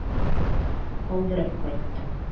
Калдырып кайттым.